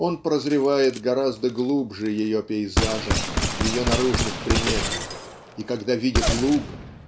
он прозревает гораздо глубже ее пейзажа ее наружных примет и когда видит луг